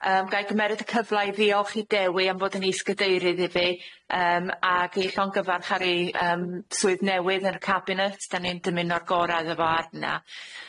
Yym ga'i gymeryd y cyfla i ddiolch i Dewi am fod yn is-gadeirydd iddi yym ag i llongyfarch ar ei yym swydd newydd yn y cabinet, da ni'n dymuno'r gorau iddo fo arna.